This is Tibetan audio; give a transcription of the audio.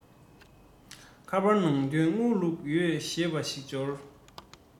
ཁ པར ནང དོན དངུལ བླུག ཡོད ཞེས པ ཞིག འབྱོར